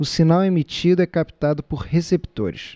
o sinal emitido é captado por receptores